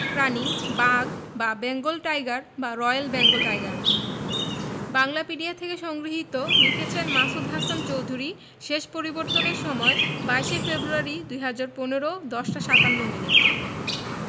বাঘ বা বেঙ্গল টাইগার বা রয়েল বেঙ্গল টাইগার বাংলাপিডিয়া থেকে সংগৃহীত লিখেছেন মাসুদ হাসান চৌধুরী শেষ পরিবর্তনের সময় ২২ শে ফেব্রুয়ারি ২০১৫ ১০ টা ৫৭ মিনিট